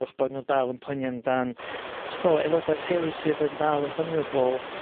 wrth bo' nw dal t'bo' aeloda' teulu sydd yn dal yn vulnerable.